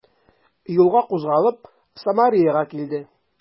Юлга кузгалып, Самареяга килде.